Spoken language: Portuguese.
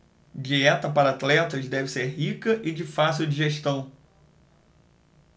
dieta para atletas deve ser rica e de fácil digestão